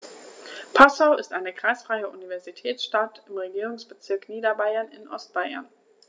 Passau ist eine kreisfreie Universitätsstadt im Regierungsbezirk Niederbayern in Ostbayern.